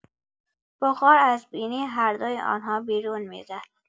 بخار از بینی هر دوی آن‌ها بیرون می‌زد.